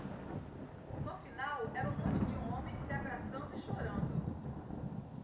no final era um monte de homens se abraçando e chorando